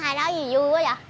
ai nói gì dui quá dạ